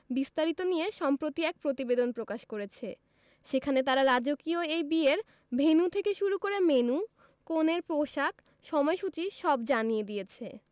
বিস্তারিত নিয়ে সম্প্রতি এক প্রতিবেদন প্রকাশ করেছে সেখানে তারা রাজকীয় এই বিয়ের ভেন্যু থেকে শুরু করে মেন্যু কনের পোশাক সময়সূচী সব জানিয়ে দিয়েছে